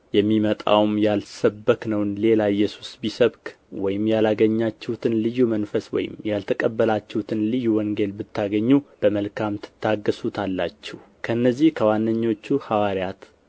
የሚመጣውም ያልሰበክነውን ሌላ ኢየሱስ ቢሰብክ ወይም ያላገኛችሁትን ልዩ መንፈስ ወይም ያልተቀበላችሁትን ልዩ ወንጌል ብታገኙ በመልካም ትታገሡታላችሁ ከእነዚህ ከዋነኞቹ ሐዋርያት